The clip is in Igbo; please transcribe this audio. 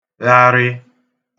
-gharị